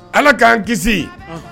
Ala k'an kisi